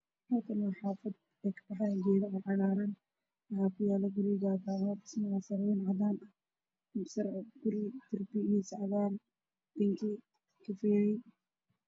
Waxaa meshan ka muuqda guryo duug ah waxaa sidoo kale ku yaalo geedo dhaar dheer OO cagaar ah